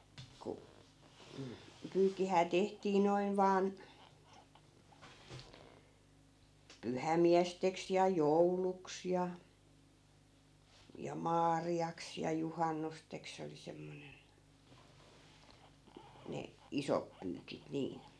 kun mm pyykkihän tehtiin noin vain pyhämiesteksi ja jouluksi ja ja maariaksi ja juhannukseksi se oli semmoinen ne isot pyykit niin